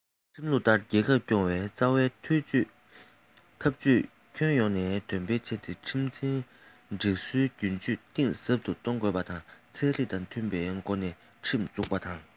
ཁྲིམས ལུགས ལྟར རྒྱལ ཁབ སྐྱོང བའི རྩ བའི ཐབས ཇུས ཁྱོན ཡོངས ནས དོན འཁྱོལ བྱས ཏེ ཁྲིམས འཛིན སྒྲིག སྲོལ སྒྱུར བཅོས གཏིང ཟབ ཏུ གཏོང དགོས པ དང ཚན རིག དང མཐུན པའི སྒོ ནས ཁྲིམས འཛུགས པ དང